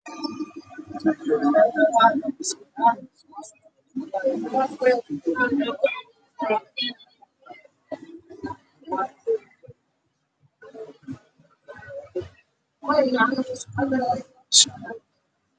Waa arday iskuul dhiganeeso